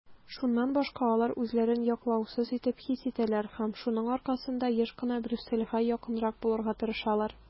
Шуннан башка алар үзләрен яклаусыз итеп хис итәләр һәм шуның аркасында еш кына Брюссельгә якынрак булырга тырышалар.